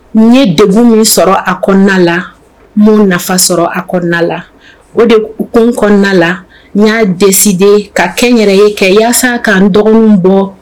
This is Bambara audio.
Ye deg min sɔrɔ a kɔnɔnala mun nafa sɔrɔ a kɔnɔnadala o de u kun kɔnɔnala n y'a dɛsɛ de ka kɛ yɛrɛ ye kɛ walasasa k' dɔgɔnin bɔ